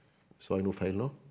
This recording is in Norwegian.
sa jeg noe feil nå?